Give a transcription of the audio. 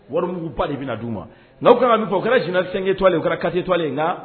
Waribugu pan de bɛna na d' u ma n' u kana bɛ fɔ u kɛra jinasenke to ale u kɛra ka tolen ye nka